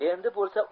endi bo'lsa